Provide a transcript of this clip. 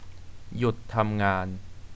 หยุดทำงาน